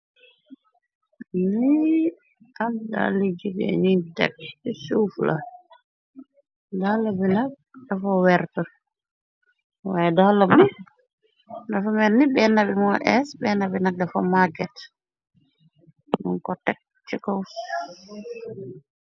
Niy addali jige ñuy tekk bi suuf la dala bi nag dafa werta waye adafa merni bennabi mo ees benn bi nag dafa market mu ko tek ci kow.